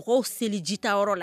Mɔgɔw seli ji ta yɔrɔ la